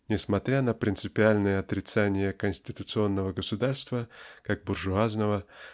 несмотря на принципиальное отрицание конституционного государства как буржуазного